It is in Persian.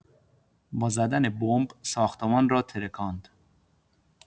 با زدن بمب ساختمان را ترکاند